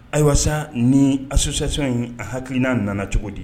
Ayiwa ni a susaso in a hakilikil n'a nana cogo di